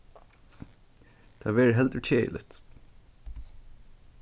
tað verður heldur keðiligt